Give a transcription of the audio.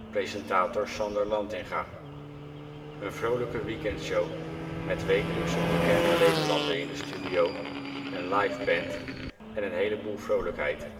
presentator Sander Lantinga, een vrolijke weekendshow met wekelijks een bekende Nederlander in de studio, een live band en een heleboel vrolijkheid